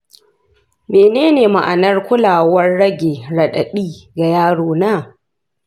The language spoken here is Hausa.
menene ma’anar kulawar rage radadi ga yarona?